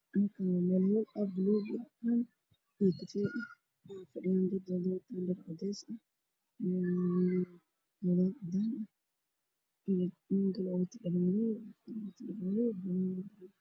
Halkaan waa meel hool ah oo kafay ah, buluug, cadeys ah waxaa fadhiyaan dad wato dhar cadeys ah, shaar cadaan, wiil wato dhar buluug ah, mid kaloo wato dhar cadeys.